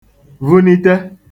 vunite